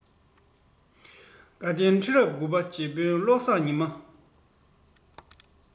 དགའ ལྡན ཁྲི རབས དགུ བ རྗེ དཔོན བློ བཟང ཉི མ